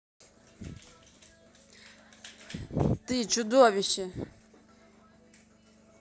ты чудовище